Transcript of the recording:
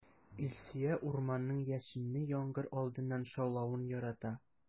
Илсөя урманның яшенле яңгыр алдыннан шаулавын ярата.